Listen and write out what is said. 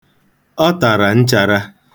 Ọ tara nchara.